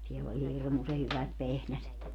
siellä oli hirmuisen hyvät vehnäset